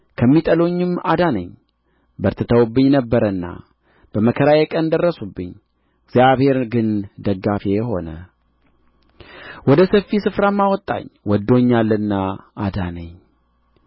ከሚጠሉኝም አዳነኝ በርትተውብኝ ነበርና በመከራዬ ቀን ደረሱብኝ እግዚአብሔር ግን ደገፋዬ ሆነ ወደ ሰፊ ስፍራም አወጣኝ ወድዶኛልና አዳነኝ